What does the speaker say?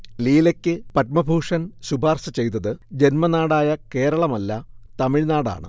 ലീലയ്ക്കു പദ്മഭൂഷൺ ശുപാർശ ചെയ്തത് ജന്മനാടായ കേരളമല്ല, തമിഴ്നാടാണ്